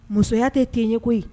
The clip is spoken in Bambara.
Musoya tɛ ten ye koyi